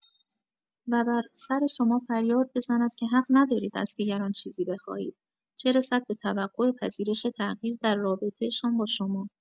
و بر سر شما فریاد بزند که حق ندارید از دیگران چیزی بخواهید، چه رسد به توقع پذیرش تغییر در رابطه‌شان با شما.